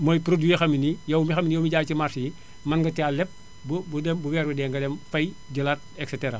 mooy produit yoo xam ne nii yow mi xam ne yow jaay ci marché yi mën nga caa leb bu bu bu weer bi deewee nga dem fay jëlaat et cetera